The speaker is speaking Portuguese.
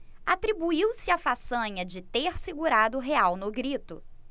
atribuiu-se a façanha de ter segurado o real no grito